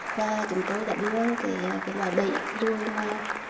và chúng tôi đã đưa ra cái cái loại bẫy ruồi mà